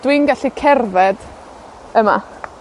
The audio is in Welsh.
Dwi'n gallu cerdded yma.